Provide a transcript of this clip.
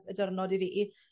y di'rnod i fi